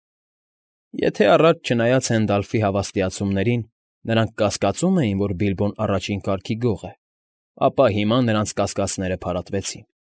Եթե առաջ, չնայած Հենդալֆի հավատացումներին, նրանք կասկածում էին, որ Բիլբոն առաջին կարգի գող է, ապա հիմա նրանց կասկածները փարատվեցին։